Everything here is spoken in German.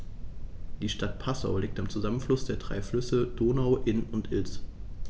Die Stadt Passau liegt am Zusammenfluss der drei Flüsse Donau, Inn und Ilz.